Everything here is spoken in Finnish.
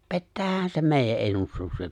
pettäähän se meidän ennustukset